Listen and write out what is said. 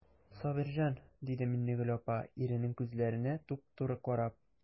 Сабирҗан,– диде Миннегөл апа, иренең күзләренә туп-туры карап.